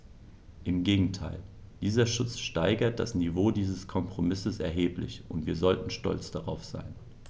Im Gegenteil: Dieser Schutz steigert das Niveau dieses Kompromisses erheblich, und wir sollten stolz darauf sein.